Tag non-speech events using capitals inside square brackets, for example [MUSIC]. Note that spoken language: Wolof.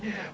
[HESITATION] [HESITATION]